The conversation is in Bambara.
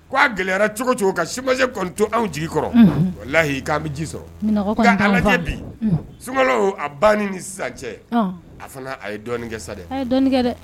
ko a gɛlɛyara cogo cogo ka SOMAGP kɔni to anw jigi kɔrɔ walayi kan bɛ ji sɔrɔ . Nga a lajɛ bi sunkalo kɔni ban ni sisan cɛ a fana a ye dɔɔni kɛ sa dɛ . A ye dɔɔni kɛ dɛ.